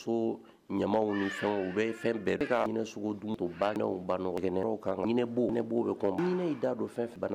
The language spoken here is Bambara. So ɲamaw ni fɛn , u bɛ fɛn bɛɛ bɛ ka yinɛ sogo dun, u banɛw ni banɔgɔgɛnɛ kan b bɛ kɔnɔ ɲinɛ bo ni ne ye n da don fɛn